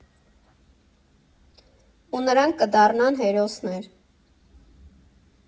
Ու նրանք կդառնան հերոսներ։